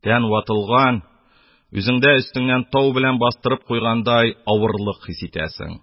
Тән ватылган, үзеңдә өстеңнән тау белән бастырып куйгандай авырлык хис итәсең.